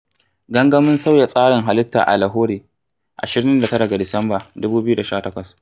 Gangamin Sauya Tsarin Halitta a Lahore, 29 ga Disamba, 2018.